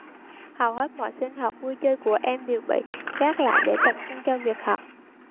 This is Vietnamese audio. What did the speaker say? hầu hết mọi sinh hoạt vui chơi của em đều bị gác lại để tập trung cho việc học